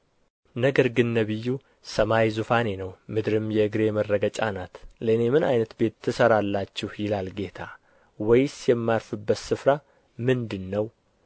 ነገር ግን ነቢዩ ሰማይ ዙፋኔ ነው ምድርም የእግሬ መረገጫ ናት ለእኔ ምን ዓይነት ቤት ትሠራላችሁ ይላል ጌታ ወይስ የማርፍበት ስፍራ ምንድር ነው